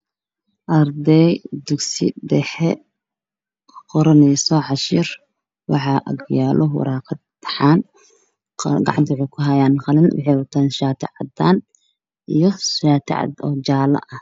Waa arday dugsi dhexe cashar ku baraneyso oo wataan shaatiyo caddaan ishaatiyo jaale ah cashar ayay qorayaan